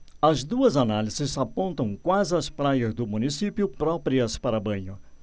as duas análises apontam quais as praias do município próprias para banho